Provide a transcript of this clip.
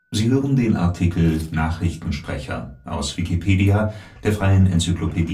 Sie hören den Artikel Nachrichtensprecher, aus Wikipedia, der freien Enzyklopädie